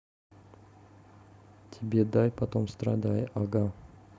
тебе дай потом страдай ага